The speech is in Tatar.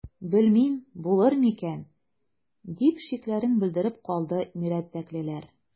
Белмим, булыр микән,– дип шикләрен белдереп калды мирәтәклеләр.